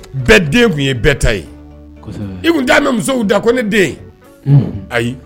Bɛɛ den tun ye bɛɛ ta ye i tun' mɛn musow da ko ne den ayi